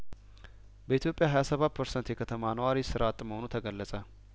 በኢትዮጵያ ሀያ ሰባት ፐርሰንት የከተማ ነዋሪ ስራ አጥ መሆኑ ተገለጸ